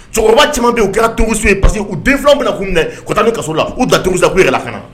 Cɛkɔrɔba caman bɛ u kɛra tubusu ye parce que u den filanw bɛna k'u minɛ ka taa n'u ye kaso la,